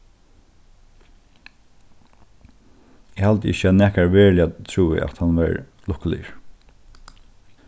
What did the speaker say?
eg haldi ikki at nakar veruliga trúði at hann var lukkuligur